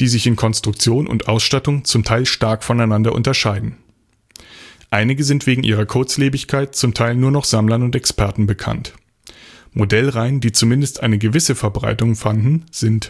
die sich in Konstruktion und Ausstattung zum Teil stark voneinander unterscheiden. Einige sind wegen ihrer Kurzlebigkeit zum Teil nur noch Sammlern und Experten bekannt. Modellreihen, die zumindest eine gewisse Verbreitung fanden sind